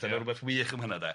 Dyma rywbeth wych am hynna de.